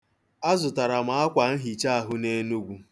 Azụtara m akwanhichaahụ n'Enugwu.